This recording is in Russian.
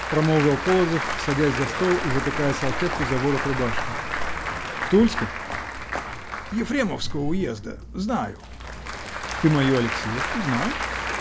-- промолвил Полозов, садясь за стол и затыкая салфетку за ворот рубашки. -- В Тульской. -- Ефремовского уезда. Знаю. -- Ты мою Алексеевку знаешь?